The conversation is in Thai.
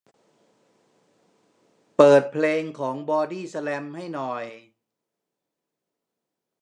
เปิดเพลงของบอดี้สแลมให้หน่อย